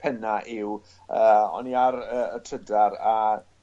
penna yw yy o'n i ar y y Trydar a